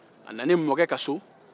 a nanen mɔkɛ ka so